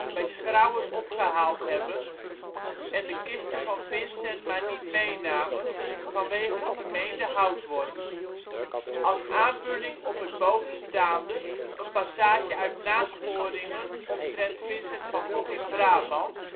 bij Schrauer opgehaald hebben en de kisten van Vincent maar niet meenamen vanwege de vermeende houtworm. Als aanvulling op het bovenstaande een passage uit Nasporingen omtrent Vincent van Gogh in Brabant